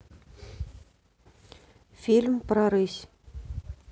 фильм про рысь